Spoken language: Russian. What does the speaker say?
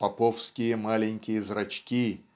"поповские маленькие зрачки